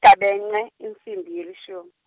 Igabence insimbi yelishumi.